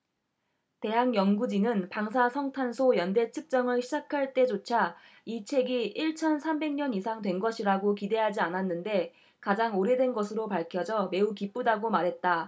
대학 연구진은 방사성탄소 연대측정을 시작할 때조차 이 책이 일 천 삼백 년 이상 된 것이라고 기대하지 않았는데 가장 오래된 것으로 밝혀져 매우 기쁘다고 말했다